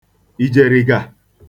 ìjèrìgà